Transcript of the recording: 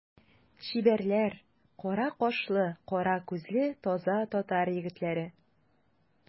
Чибәрләр, кара кашлы, кара күзле таза татар егетләре.